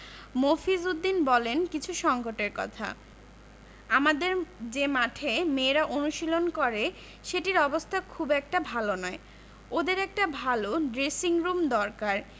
মফিজ উদ্দিন বললেন কিছু সংকটের কথা আমাদের যে মাঠে মেয়েরা অনুশীলন করে সেটির অবস্থা খুব একটা ভালো নয় ওদের একটা ভালো ড্রেসিংরুম দরকার